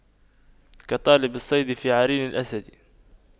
كطالب الصيد في عرين الأسد